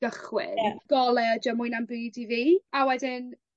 gychwyn. Ie. Gole ydi o mwy na'm byd i fi, a wedyn